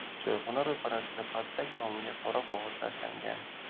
choyxona ro'parasida pastak tomiga qora qog'oz tashlangan